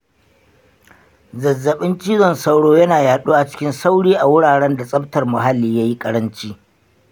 zazzaɓin cizon sauro yana yaɗuwa cikin sauri a wuraren da tsaftar muhalli yayi ƙaranci